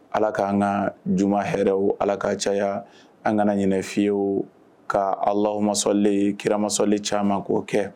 Ala kan ka juma hɛrɛw ala ka caya . An kana ɲinɛ fiyewu ka alamasɔli kiramasɔli caman ko kɛ